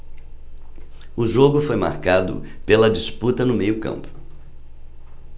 o jogo foi marcado pela disputa no meio campo